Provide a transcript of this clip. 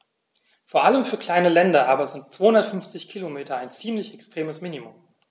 Vor allem für kleine Länder aber sind 250 Kilometer ein ziemlich extremes Minimum.